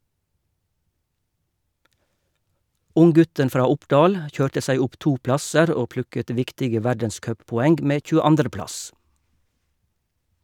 Unggutten fra Oppdal kjørte seg opp to plasser og plukket viktige verdenscuppoeng med 22. plass.